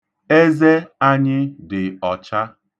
Eze anyị dị ọcha.